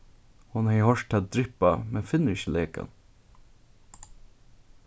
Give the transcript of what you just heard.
hon hevði hoyrt tað dryppa men finnur ikki lekan